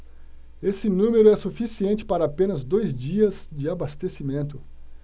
esse número é suficiente para apenas dois dias de abastecimento